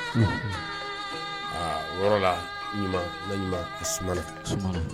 Aa o yɔrɔ la , ɲuman Naɲuman a suma na.